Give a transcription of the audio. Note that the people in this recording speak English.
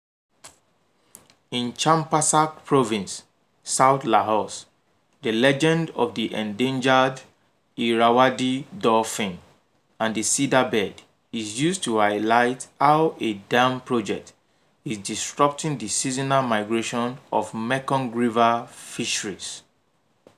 In Champasak Province, south Laos, the legend of the endangered Irrawaddy dolphin and the Sida bird is used to highlight how a dam project is disrupting the seasonal migration of Mekong River fisheries.